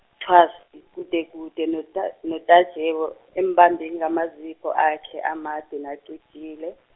thasi, kudekude noTa- noTajewo, embambe ngamazipho akhe amade nacijile.